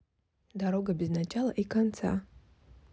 дорога без начала и конца